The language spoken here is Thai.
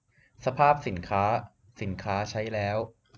สภาพสินค้าสินค้าใช้แล้ว